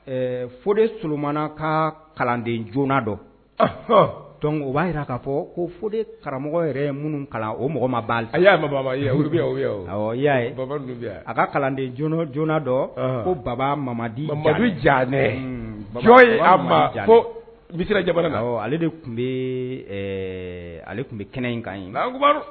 Ɛɛ foolomana ka kalanden joona dɔ o b'a jira k'a fɔ ko foli de karamɔgɔ yɛrɛ minnu kalan o mɔgɔma b' laa babaa a ka kalan joona dɔn ko baba madi amadudu jan ko bija ale de tun bɛ ale tun bɛ kɛnɛ in ka ye